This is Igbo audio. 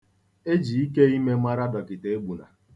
E ji ike ime mara Dkt. Egbuna.